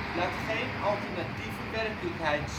laat geen alternatieve werkelijkheid